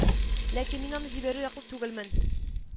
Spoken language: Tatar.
Ләкин мин аны җибәрү яклы түгелмен